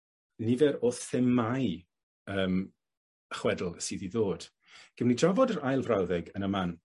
nifer o themâu yym chwedl sydd i ddod. Gewn ni drafod yr ail frawddeg yn y man.